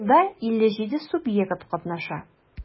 Анда 57 субъект катнаша.